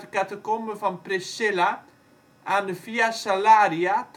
catacomben van Priscilla aan de Via Salaria